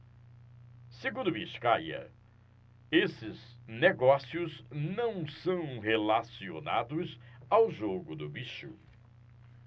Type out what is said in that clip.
segundo biscaia esses negócios não são relacionados ao jogo do bicho